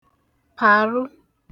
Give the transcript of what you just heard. pàru